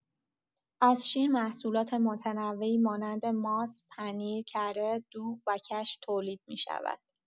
از شیر محصولات متنوعی مانند ماست، پنیر، کره، دوغ و کشک تولید می‌شود.